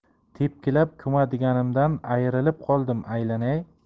tepkilab ko'madiganimdan ayrilib qoldim aylanay